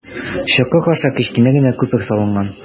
Чокыр аша кечкенә генә күпер салынган.